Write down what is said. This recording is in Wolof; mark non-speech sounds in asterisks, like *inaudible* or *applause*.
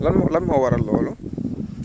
lan *noise* lan moo waral loola *noise*